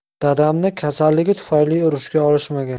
dadamni kasalligi tufayli urushga olishmagan